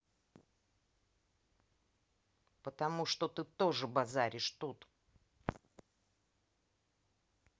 потому что ты тоже базаришь тут